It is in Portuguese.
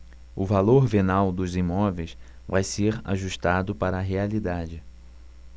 o valor venal dos imóveis vai ser ajustado para a realidade